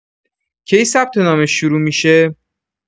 کی ثبت نامش شروع می‌شه؟